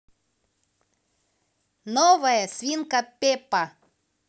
новая свинка пеппа